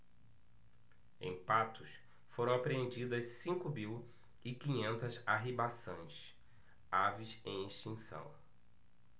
em patos foram apreendidas cinco mil e quinhentas arribaçãs aves em extinção